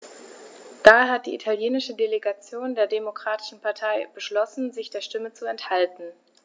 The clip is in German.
Daher hat die italienische Delegation der Demokratischen Partei beschlossen, sich der Stimme zu enthalten.